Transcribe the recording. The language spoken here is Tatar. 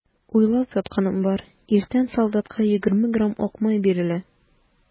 Уйлап ятканым бар: иртән солдатка егерме грамм ак май бирелә.